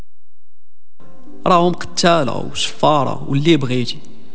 رونق تالا وسفاره ودي بغيتي